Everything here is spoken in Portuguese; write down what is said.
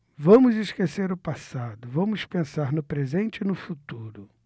vamos esquecer o passado vamos pensar no presente e no futuro